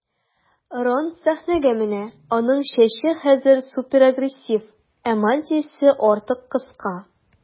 Рон сәхнәгә менә, аның чәче хәзер суперагрессив, ә мантиясе артык кыска.